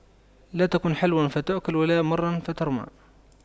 لا تكن حلواً فتؤكل ولا مراً فترمى